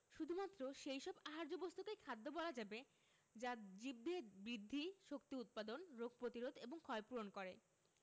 শুধুমাত্র সেই সব আহার্য বস্তুকেই খাদ্য বলা যাবে যা জীবদেহে বৃদ্ধি শক্তি উৎপাদন রোগ প্রতিরোধ এবং ক্ষয়পূরণ করে